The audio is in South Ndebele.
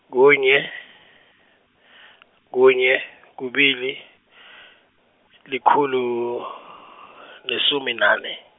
kunye , kunye, kubili , likhulu , nesumi nane.